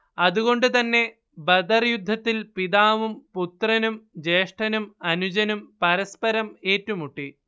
അത് കൊണ്ട് തന്നെ ബദർ യുദ്ധത്തിൽ പിതാവും പുത്രനും ജ്യേഷ്ഠനും അനുജനും പരസ്പരം ഏറ്റുമുട്ടി